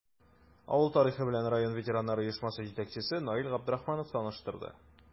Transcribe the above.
Авыл тарихы белән район ветераннар оешмасы җитәкчесе Наил Габдрахманов таныштырды.